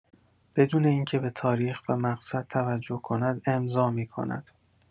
بدون اینکه به‌تاریخ و مقصد توجه کند امضا می‌کند.